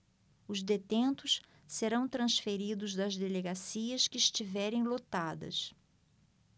os detentos serão transferidos das delegacias que estiverem lotadas